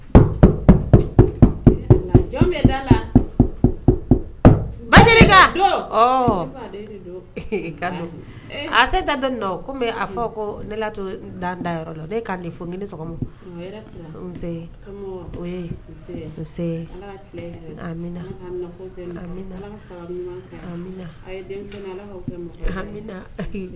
Ba a se dan kɔmi a fɔ ko ne to dan dayɔrɔ la kan de fɔini sɔgɔma o nse aminamina ayi